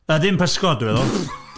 Na ddim pysgod, dwi'n feddwl!